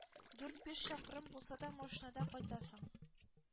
Дүрт-биш чакрым булса да машинада кайтасың...